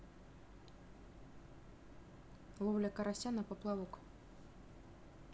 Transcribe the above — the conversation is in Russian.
ловля карася на поплавок